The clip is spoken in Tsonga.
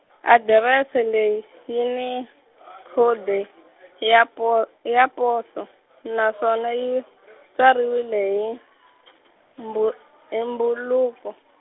adirese leyi, yi ni, khodi ya po- ya poso, naswona yi, tsariwile hi , mbu- hi mbhuluko.